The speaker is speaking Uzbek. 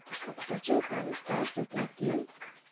o'qituvchi opamiz dars o'tyapti yu